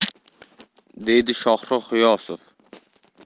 dedi shohrux g'iyosov